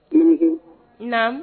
Un naamu